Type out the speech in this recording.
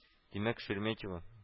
Димәк, Шереметева